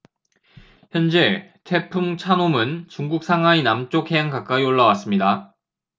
현재 태풍 찬홈은 중국 상하이 남쪽 해안 가까이 올라왔습니다